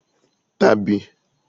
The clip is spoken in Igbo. tabì